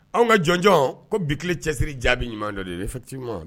Anw ka jɔnj ko bile cɛsiri jaabi ɲuman dɔ de fɛti ma